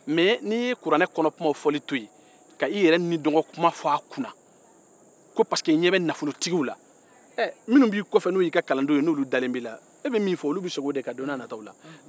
mɛ n'i ye kuranɛ kɔnɔkuma fɔli to yen k'i yɛrɛ sagonnakumaw fɔ ko pariseke i ɲɛ bɛ nafolotigiw la minnu b'i kɔfɛ n'o y'i ka kalandenw olu bɛ segin i ka fɔta kan don dɔ la